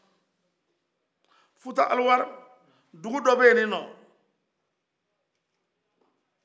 futa aliwari dugu dɔ bɛ ye ninɔ